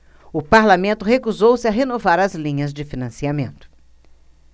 o parlamento recusou-se a renovar as linhas de financiamento